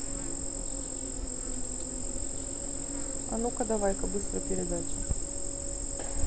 а ну ка давай ка быстро передача